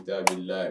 Jaabibilila